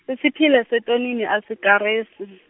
isipila setonini asikarisi.